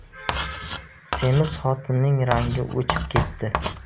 semiz xotinning rangi o'chib ketdi